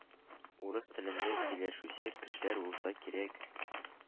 Урыс телендә сөйләшүче кешеләр булса кирәк.